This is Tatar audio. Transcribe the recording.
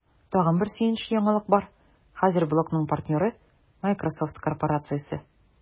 Тагын бер сөенечле яңалык бар: хәзер блогның партнеры – Miсrosoft корпорациясе!